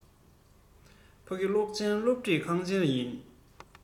ཕ གི གློག ཅན སློབ ཁྲིད ཁང ཆེན ཡིན